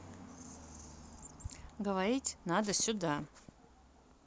говорить надо сюда